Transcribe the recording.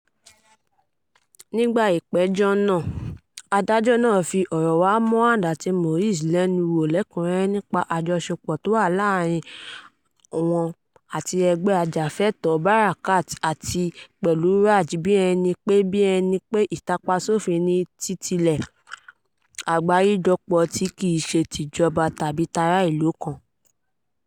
Nígbà ìpẹ̀jọ́ nàá, adájọ́ náà fi ọ̀rọ̀ wá Mohand àti Moez lẹ́nu wo lẹ́kùnrẹ́rẹ́ nípa àjọṣepọ̀ tó wa láàárín wọn àti ẹgbẹ́ ajáfẹ́tọ̀ọ́ “Barakat!” àti pẹ̀lú RAJ, bi ẹni pé bí ẹni pé ìtàpa sófin ni títẹ̀lẹ́ àgbáríjọpọ̀ tí kìí ṣe tìjọba tàbí ará ìlú kan.